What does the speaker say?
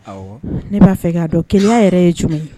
Ne b'a fɛ k'a dɔn kelenya yɛrɛ ye cogo ye